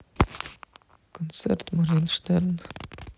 концерт моргенштерна